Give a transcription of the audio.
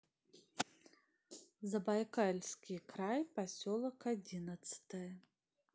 забайкальский край поселок одиннадцатое